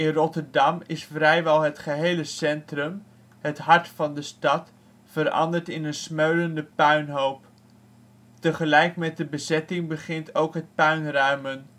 Rotterdam is vrijwel het gehele centrum, het hart van de stad, veranderd in een smeulende puinhoop. Tegelijk met de bezetting begint ook het puinruimen